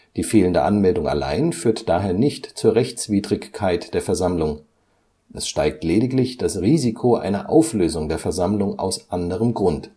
Die fehlende Anmeldung allein führt daher nicht zur Rechtswidrigkeit der Versammlung, es steigt lediglich das Risiko einer Auflösung der Versammlung aus anderem Grund